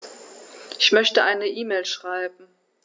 Ich möchte eine E-Mail schreiben.